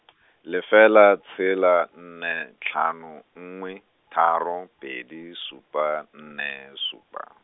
lefela tshela nne tlhano nngwe, tharo pedi supa nne supa.